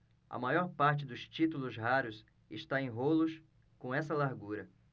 a maior parte dos títulos raros está em rolos com essa largura